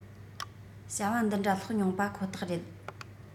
བྱ བ འདི འདྲ ལྷག མྱོང པ ཁོ ཐག རེད